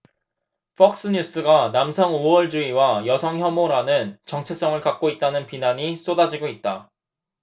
폭스뉴스가 남성우월주의와 여성혐오이라는 정체성을 갖고 있다는 비난이 쏟아지고 있다